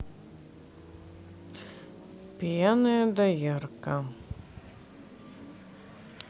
пьяная доярка